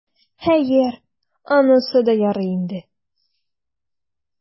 Хәер, анысы да ярый инде.